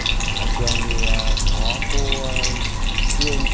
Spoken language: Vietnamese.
trường thì à có cô dương